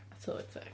A tylwyth teg.